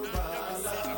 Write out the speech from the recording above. Nse